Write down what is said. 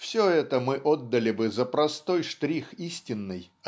все это мы отдали бы за простой штрих истинной